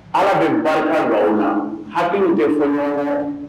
Ala bɛ barika don aw na hakili tɛ fɔn ɲɔgɔn kɔ.